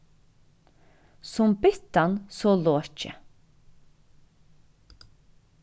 sum byttan so lokið